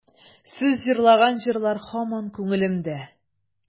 Сез җырлаган җырлар һаман күңелемдә.